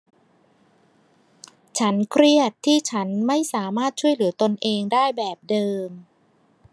ฉันเครียดที่ฉันไม่สามารถช่วยเหลือตนเองได้แบบเดิม